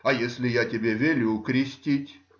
— А если я тебе велю крестить?